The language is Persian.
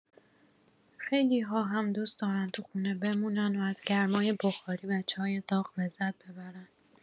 خیلی‌ها هم دوست دارن تو خونه بمونن و از گرمای بخاری و چای داغ لذت ببرن.